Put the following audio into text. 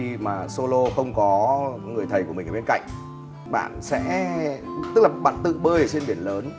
khi mà sô lô không có người thầy của mình bên cạnh bạn sẽ tức là bạn tự bơi trên biển lớn